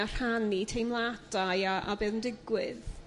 a rhannu teimladau a a be' o'dd yn digwydd